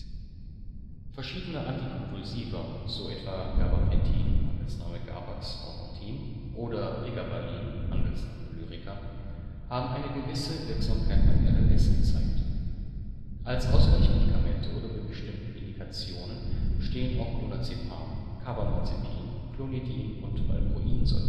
Verschiedene Antikonvulsiva – so etwa Gabapentin (Gabax ®/ Neurontin ®) oder Pregabalin (Lyrica ®)– haben eine gewisse Wirksamkeit beim RLS gezeigt. Als Ausweichmedikamente oder bei bestimmten Indikationen stehen auch Clonazepam, Carbamazepin, Clonidin und Valproinsäure